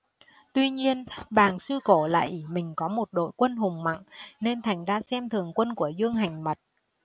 tuy nhiên bàng sư cổ lại ỷ mình có một đội quân hùng mạnh nên thành ra xem thường quân của dương hành mật